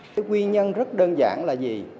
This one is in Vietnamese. cái nguyên nhân rất đơn giản là gì